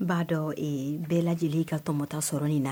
N b'a dɔn bɛɛ lajɛlen ka tɔmɔta sɔrɔ na